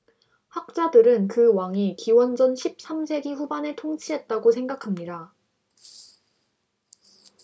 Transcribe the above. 학자들은 그 왕이 기원전 십 삼 세기 후반에 통치했다고 생각합니다